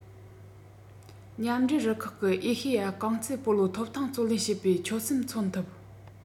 མཉམ འབྲེལ རུ ཁག གིས ཨེ ཤེ ཡ རྐང རྩེད སྤོ ལོ ཐོབ ཐང བརྩོན ལེན བྱེད པའི ཆོད སེམས མཚོན ཐུབ